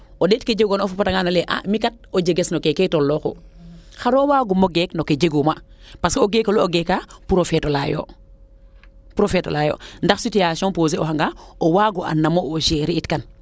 o ndeet ke jegoona o foka tangan o leye a mi kat o jeges no keeke tolooxu xaroo wagumo geek no ke jeguuma oarce o geekole o geeka pour o feetolayo pour o feetolayo ndax situation poser oxanga o waago an namo gerer it kan